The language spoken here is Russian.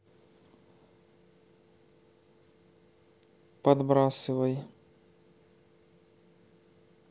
подбрасывай